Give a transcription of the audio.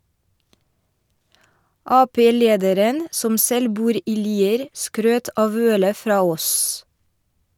Ap-lederen, som selv bor i Lier, skrøt av ølet fra Aass.